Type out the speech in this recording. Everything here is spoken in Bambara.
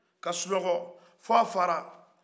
ka sinɔgɔ fɔ a fara